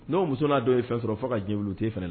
N'o muso'a dɔw ye fɛn sɔrɔ fo ka j olu tɛ fana la